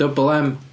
Double M?